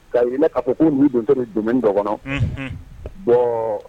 Kamɛ' ko donso don don dɔ kɔnɔ bon